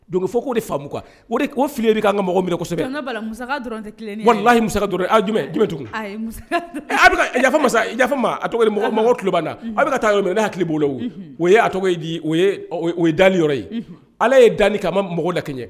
Dɔnkili fɔ ko de faamumu fi' kan ka minɛ walahibe a a tɔgɔ mɔgɔba na a bɛ ka taa yɔrɔ min ne y' hakili tile bolo o ye a tɔgɔ di o ye dalen yɔrɔ ye ala ye daani ka ma mɔgɔ la kɛ ɲɛ